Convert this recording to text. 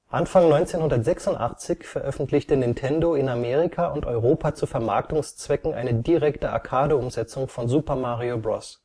Anfang 1986 veröffentlichte Nintendo in Amerika und Europa zu Vermarktungszwecken eine direkte Arcade-Umsetzung von Super Mario Bros